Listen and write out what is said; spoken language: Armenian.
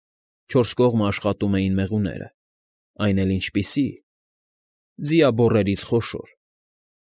Չորս կողմը աշխատում էին մեղուները։ Այն էլ ինչպիսի՜… Ձիաբոռերից խոշոր։